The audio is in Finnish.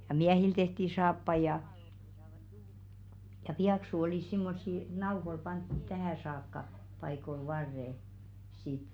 ja miehille tehtiin saappaita ja ja pieksut olivat semmoisia nauhoilla pannut tähän saakka paikoille varret sitten